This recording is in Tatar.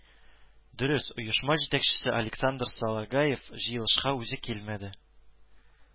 Дөрес, оешма җитәкчесе Александр Салагаев җыелышка үзе килмәде